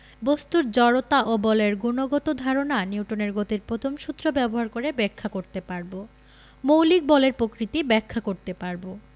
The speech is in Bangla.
বস্তুর জড়তা ও বলের গুণগত ধারণা নিউটনের গতির প্রথম সূত্র ব্যবহার করে ব্যাখ্যা করতে পারব মৌলিক বলের প্রকৃতি ব্যাখ্যা করতে পারব